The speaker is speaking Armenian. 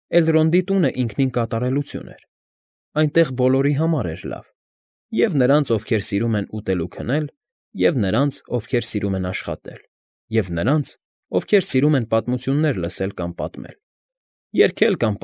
Էլրոնդի տունը ինքնին կատարելություն էր. այնտեղ բոլորի համար էր լավ. և՛ նրանց, ովքեր սիրում են ուտել ու քնել, և՛ նրանց, ովքեր սիրում են աշխատել, և՛ նրանց, ովքեր սիրում են պատմություններ լսել կամ պատմել, երգել կամ։